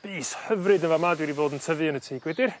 bys hyfryd yn fa' 'ma dwi 'di bod yn tyfu yn y tŷ gwydyr